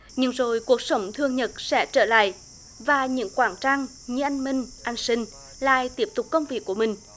nhưng rồi cuộc sống thường nhật sẽ trở lại và những quản trang như anh minh anh sinh lại tiếp tục công việc của mình